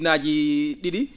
ujunnaji ?i?i